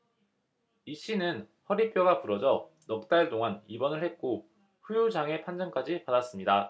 이 씨는 허리뼈가 부러져 넉 달 동안 입원을 했고 후유장애 판정까지 받았습니다